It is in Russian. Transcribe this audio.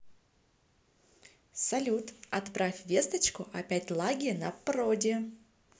салют отправь весточку опять лаги на проде